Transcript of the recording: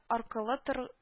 Аркылы-тор